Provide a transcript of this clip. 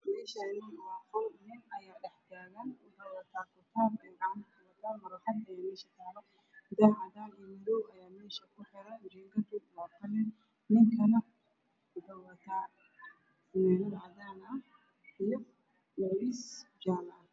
Meeshaani waa qol nin ayaa dhex taagan waxuu wataa kitaab ayuu gacanta kuheystaa marawaxadna meeshay taalaa. Daaha madow iyo cadaan ah ayaa meesha kuxiran. Jiingaduna waa qalin. Ninkuna waxuu wataa fanaanad cadeys ah iyo macawis jaale ah.